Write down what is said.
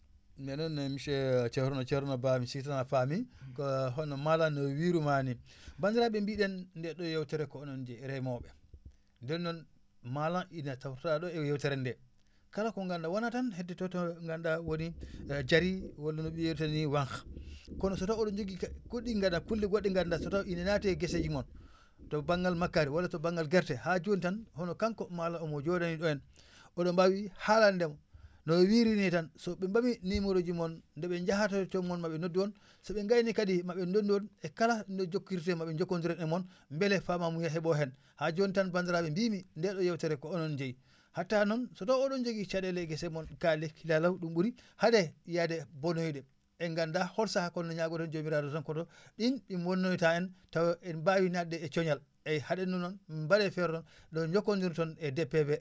nee na ne monsieur Thierno